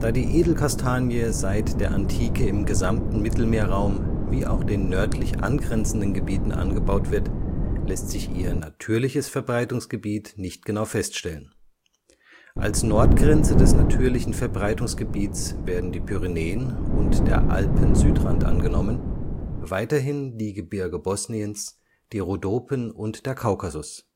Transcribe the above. die Edelkastanie seit der Antike im gesamten Mittelmeerraum wie auch den nördlich angrenzenden Gebieten angebaut wird, lässt sich ihr natürliches Verbreitungsgebiet nicht genau feststellen. Als Nordgrenze des natürlichen Verbreitungsgebiets werden von Bottacci (2006) die Pyrenäen und der Alpensüdrand angenommen, weiterhin die Gebirge Bosniens, die Rhodopen und der Kaukasus